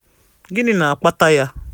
Gịnị na-akpata ya?